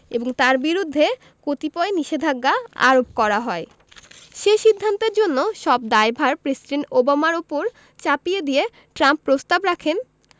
এবং তার বিরুদ্ধে কতিপয় নিষেধাজ্ঞা আরোপ করা হয় সে সিদ্ধান্তের জন্য সব দায়ভার প্রেসিডেন্ট ওবামার ওপর চাপিয়ে দিয়ে ট্রাম্প প্রস্তাব রাখেন